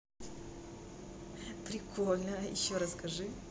прикольно а еще расскажи